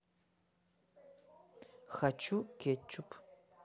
хочу кетчуп